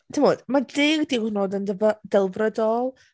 Timod mae deg diwrnod yn deby- delfrydol.